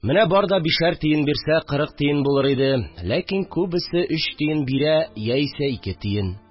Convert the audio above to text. Менә бар да бишәр тиен бирсә, кырык тиен булыр иде, ләкин күбесе өч тиен бирә яисә ике тиен